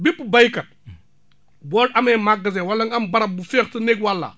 bépp baykat boo amee magasin wala nga am barab bu féex te néeg wàllaa